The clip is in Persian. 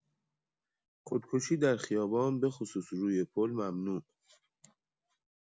خودکشی در خیابان بخصوص روی پل ممنوع.